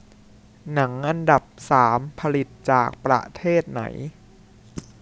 หนังอันดับสามผลิตจากประเทศไหน